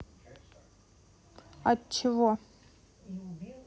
отчего